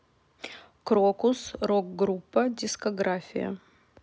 крокус рок группа дискография